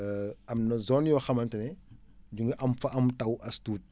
am na zones yoo xamante ne du ñu am fa am taw as tuut